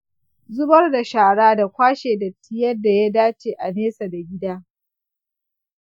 zubar da shara da kwashe datti yadda ya dace a nesa da gida.